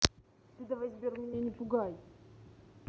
ты давай сбер меня не пугай